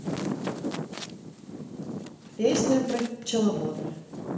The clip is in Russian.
песня про пчеловода